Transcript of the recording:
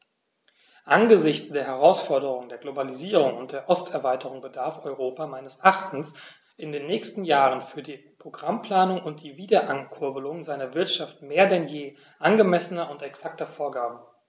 Angesichts der Herausforderung der Globalisierung und der Osterweiterung bedarf Europa meines Erachtens in den nächsten Jahren für die Programmplanung und die Wiederankurbelung seiner Wirtschaft mehr denn je angemessener und exakter Vorgaben.